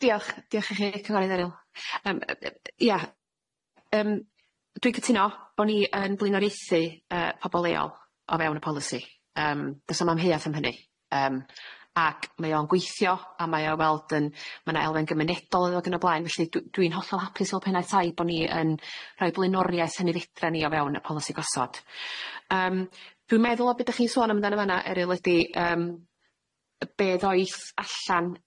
Diolch diolch i chi cyfarwydd Eryl yym yy yy ia yym dwi cytuno bo' ni yn blinoriaethu yy pobol leol o fewn y polisi yym do's na'm amheuaeth am hynny yym ag mae o'n gweithio a mae o weld yn ma' 'na elfen gymunedol ynddo fo ag yn y blaen felly dw- dwi'n hollol hapus fel Pennaeth Tai bo' ni yn rhoi bleunoriaeth hynny fedran ni o fewn y polisi gosod yym dwi'n meddwl o be' dach chi'n sôn am dan yn fan'na Eryl ydi yym yy be' ddoith allan